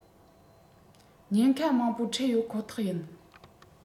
ཉེན ཁ མང པོ འཕྲད ཡོད ཁོ ཐག ཡིན